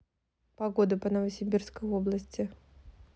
погоду по новосибирской области